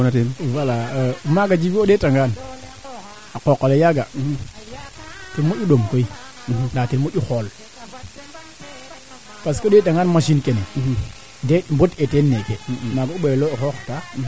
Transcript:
wagiro anda roog andaa yee ñimi mene ñim mene comme andaa ye foof le maya nga joor fe mat yoombe soti ñimi ma a maya nga kaaga sot ange ndak na maana soti o leya ngaaye ñima maaga a soɓa ngaaye fooffi maye naaga faax